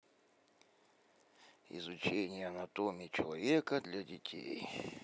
изучение анатомии человека для детей